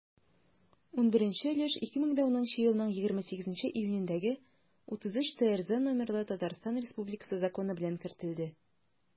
11 өлеш 2010 елның 28 июнендәге 33-трз номерлы татарстан республикасы законы белән кертелде.